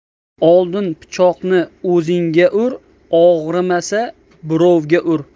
oldin pichoqni o'zingga ur og'rimasa birovga ur